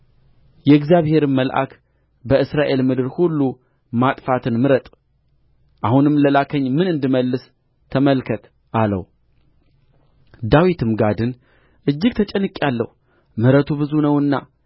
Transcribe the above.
የእግዚአብሔርም መልአክ በእስራኤል ምድር ሁሉ ማጥፋትን ምረጥ አሁንም ለላከኝ ምን እንድመልስ ተመልከት አለው ዳዊትም ጋድን እጅግ ተጨንቄአለሁ ምሕረቱ ብዙ ነውና